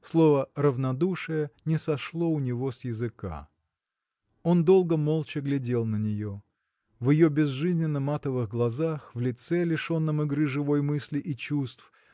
слово равнодушие не сошло у него с языка. Он долго молча глядел на нее. В ее безжизненно-матовых глазах в лице лишенном игры живой мысли и чувств